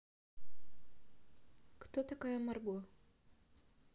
кто такая марго